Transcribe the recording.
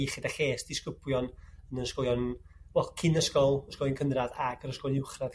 iechyd a ches disgyblion yn ysgolion wel cyn ysgol ysgolion cynradd ac yr ysgol uwchradd.